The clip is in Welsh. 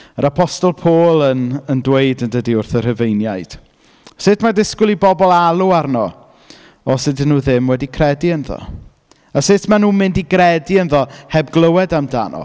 Yr apostol Paul yn yn dweud yn dydy wrth y Rhufeiniaid "sut mae disgwyl i bobl alw arno os ydyn nhw ddim wedi credu ynddo? A sut maen nhw'n mynd i gredu ynddo heb glywed amdano?"